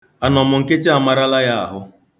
Anọmnkịtị amarala ya ahụ.